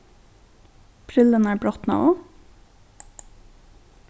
brillurnar brotnaðu